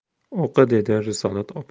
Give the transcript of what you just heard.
o'qi dedi risolat